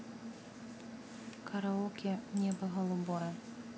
караоке небо голубое